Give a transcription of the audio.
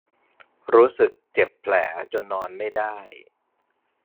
รู้สึกเจ็บแผลจนนอนไม่ได้